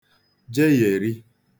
jegheri